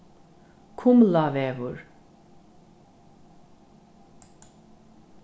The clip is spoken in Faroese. kumlavegur